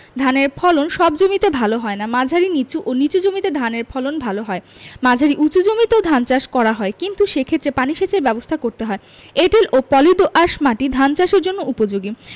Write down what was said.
ধানের ফলন সব জমিতে ভালো হয় না মাঝারি নিচু ও নিচু জমিতে ধানের ফলন ভালো হয় মাঝারি উচু জমিতেও ধান চাষ করা হয় কিন্তু সেক্ষেত্রে পানি সেচের ব্যাবস্থা করতে হয় এঁটেল ও পলি দোআঁশ মাটি ধান চাষের জন্য উপযোগী